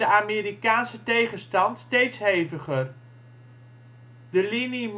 Amerikaanse tegenstand steeds heviger. De linie Monschau-Bütgenbach